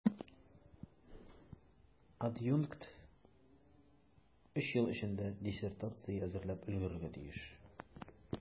Адъюнкт өч ел эчендә диссертация әзерләп өлгерергә тиеш.